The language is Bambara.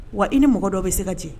Wa i ni mɔgɔ dɔw bɛ se ka ci